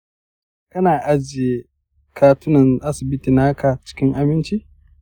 kana ajiye katunan asibiti naka cikin aminci?